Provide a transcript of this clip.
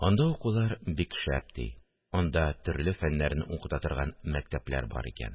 Анда укулар бик шәп, ди, анда төрле фәннәрне укыта торган мәктәпләр бар икән